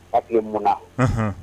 Papi ye mun